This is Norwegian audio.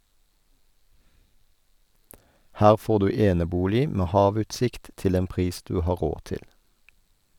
Her får du enebolig med havutsikt til en pris du har råd til.